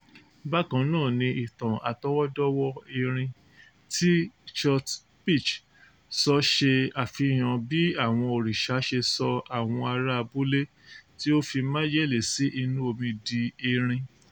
Bákan náà ni ìtàn àtọwọ́dọ́wọ́ọ erin tí Chhot Pich sọ ṣe àfihàn bí àwọn òrìṣà ṣe sọ àwọn ará abúlé tí ó fi májèlé sí inú odò di erin.